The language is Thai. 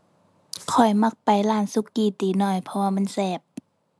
ข้อยมักไปร้านสุกี้ตี๋น้อย เพราะว่ามันแซ่บ